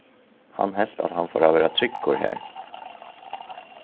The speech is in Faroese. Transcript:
hann helt at hann fór at vera tryggur har